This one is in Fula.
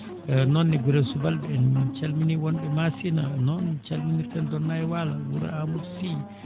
noon ne ngure subalɓe en noon calminii wonɓe Maasina noon calminirten Donay Walo wuuro Amadou Sy